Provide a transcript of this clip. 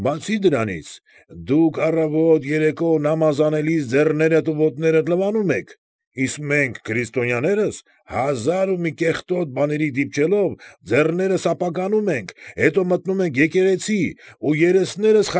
Բացի դրանից, դուք առավոտ֊երեկո նամազ անելիս ձեռքներդ ու ոտքներդ լվանում եք, իսկ մենք քրիստնյաներս, հազար ու մի կեղտոտ բաների դիպչելով, ձեռներս ապականում ենք, հետո մտնում ենք եկեղեցի ու երեսներս։